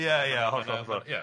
ia ia hollol ia.